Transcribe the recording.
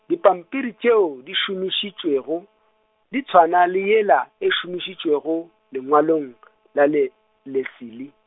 dipampiri tšeo, di šomišitšwego, di tšhwana le yela e šomišitšwego, lengwalong la le, Leslie.